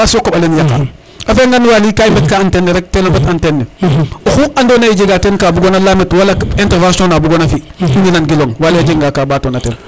mbaas yo a koɓale nu yaqa a fiya ngan Waly kan i mbetka antenne ne rek oxu ando naye jega ten ka bugona lamit wala intervention na bugona fi in way nan gilkwang Waly o jega nga ka ɓatona ten